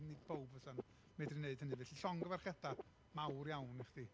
Nid pawb fysa'n medru wneud hynny, felly llongyfarchiadau mawr iawn i chdi,